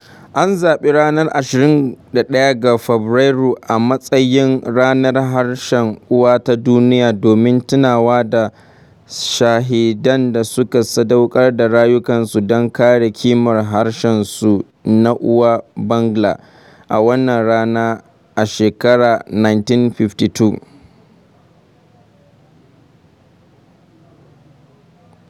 An zaɓi ranar 21 ga Fabrairu a matsayin Ranar Harshen Uwa ta Duniya domin tunawa da shahidan da suka sadaukar da rayukansu don kare ƙimar harshensu na uwa Bangla, a wannan rana a shekarar 1952.